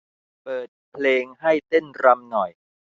เปิดเพลงให้เต้นรำหน่อย